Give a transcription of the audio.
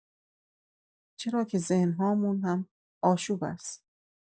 چراکه ذهن‌هامون هم آشوب است.